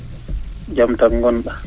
jam tan ngonɗaa